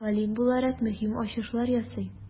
Галим буларак, мөһим ачышлар ясый.